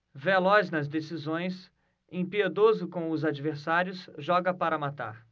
veloz nas decisões impiedoso com os adversários joga para matar